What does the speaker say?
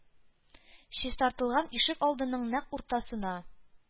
Чистартылган ишек алдының нәкъ уртасына,